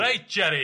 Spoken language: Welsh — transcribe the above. Reit Jerry.